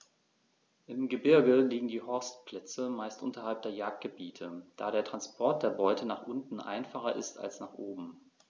Im Gebirge liegen die Horstplätze meist unterhalb der Jagdgebiete, da der Transport der Beute nach unten einfacher ist als nach oben.